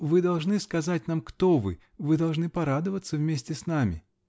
Вы должны сказать нам, кто вы, вы должны порадоваться вместе с нами.